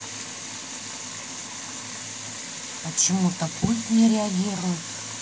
почему то пульт не реагирует